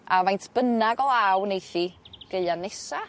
A faint bynnag o law neith 'i Gaea nesa